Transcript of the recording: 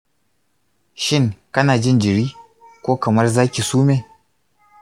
shin kana jin jiri ko kamar za ki sume?